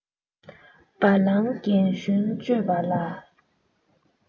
བ ལང རྒན གཞོན དཔྱོད པ ལ